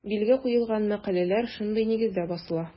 Билге куелган мәкаләләр шундый нигездә басыла.